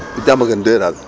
Diamaguen 2 daal